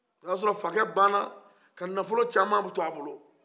o ye a sɔrɔ fakɛ baana ka nafɔlo cama to a bolo